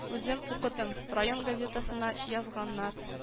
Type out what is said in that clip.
Үзем укыдым, район газетасына язганнар